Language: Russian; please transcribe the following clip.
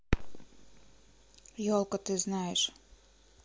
елка ты знаешь